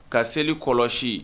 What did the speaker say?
Ka seli kɔlɔsi